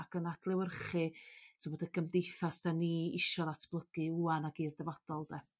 ac yn adlewyrchu t'mod y gymdeithas 'dan ni isio ddatblygu rwan ag i'r dyfodol 'de?